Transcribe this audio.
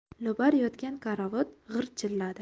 lobar yotgan karavot g'irchilladi